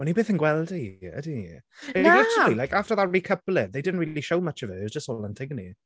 Wel ni byth yn gweld hi, ydyn ni?... Na! ...Literally, like, after that recoupling they didn't really show much of her it was just all Antigone.